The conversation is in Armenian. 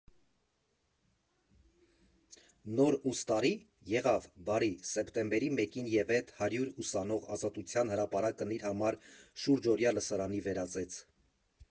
Նոր ուստարի՞, եղա՛վ, բարի, սեպտեմբերի մեկին ևեթ հարյուր ուսանող Ազատության հրապարակն իր համար շուրջօրյա լսարանի վերածեց.